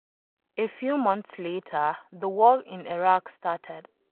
A few months later, The War in Iraq started.